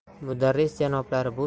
mudarris janoblari bu